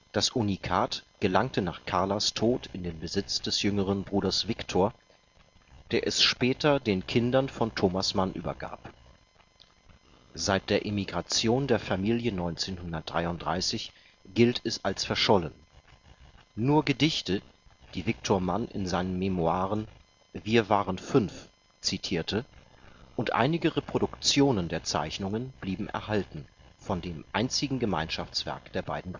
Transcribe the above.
Das Unikat gelangte nach Carlas Tod in den Besitz des jüngsten Bruders Viktor, der es später den Kindern von Thomas Mann übergab. Seit der Emigration der Familie 1933 gilt es als verschollen; nur Gedichte, die Viktor Mann in seinen Memoiren Wir waren fünf zitierte, und einige Reproduktionen der Zeichnungen blieben erhalten von dem einzigen Gemeinschaftswerk der beiden